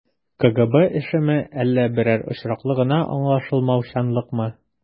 КГБ эшеме, әллә берәр очраклы гына аңлашылмаучанлыкмы?